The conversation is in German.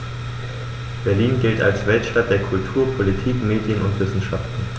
Berlin gilt als Weltstadt der Kultur, Politik, Medien und Wissenschaften.